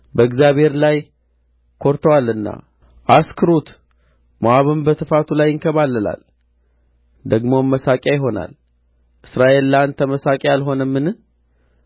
በእግዚአብሔር ላይ ኰርቶአልና አስክሩት ሞዓብም በጥፋቱ ላይ ይንከባለላል ደግሞም መሳቂያ ይሆናል እስራኤል ለአንተ መሳቂያ አልሆነምን